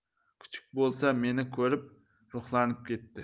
kuchuk bo'lsa meni ko'rib ruhlanib ketdi